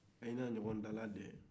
u ye ɲɔgɔn dalajɛ